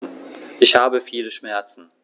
Ich habe viele Schmerzen.